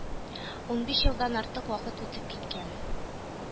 Унбиш елдан артык вакыт үтеп киткән